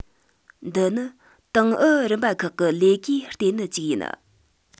འདི ནི ཏང ཨུ རིམ པ ཁག གི ལས ཀའི ལྟེ གནད ཅིག ཡིན